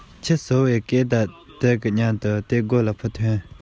སོ དང སེན མོ བརྒྱབ ནས